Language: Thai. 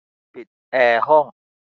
ปิดแอร์ห้อง